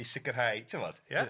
I sicrhau, t'mod ia?